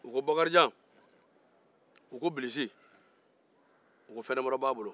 u ko bakarijan u ko bilisi u ko fɛn damadɔ b'a bolo